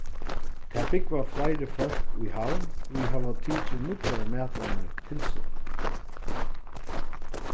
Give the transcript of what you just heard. tað búgva fleiri fólk í havn ið hava tikið nýggjar matvanar til sín